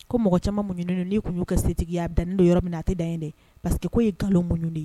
Ko mɔgɔ caman munɲuni n'i tun y'u kɛ setigi a dannen don yɔrɔ min na a tɛ da ye dɛ paseke ko ye nkalon muɲuni ye